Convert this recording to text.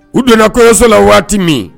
U donna kɔɲɔyɔso la waati min